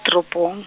toropong.